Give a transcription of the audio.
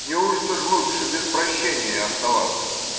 неужто же лучше без прощения оставаться?